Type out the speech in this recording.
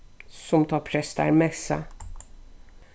sum tá prestar messa